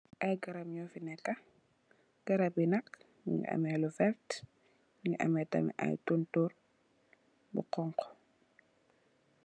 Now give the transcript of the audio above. ay karam yofi neka karam yi nak mingi ami lowert mingi ami tamit ayi tontorr yu xongo.